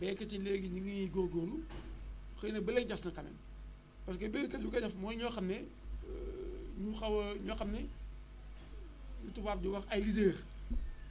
béykat yi léegi ñi ngi góorgóorlu xëy na ba léegi des na tamit parce que béykat yi koy def mooy ñoo xam ne ñu xaw a ñoo xam ni li tubaab di wax ay leaders